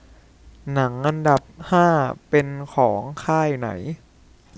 หนังอันดับห้าเป็นของค่ายไหน